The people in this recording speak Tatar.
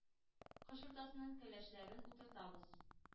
Кыш уртасыннан кәлшәләрен утыртабыз.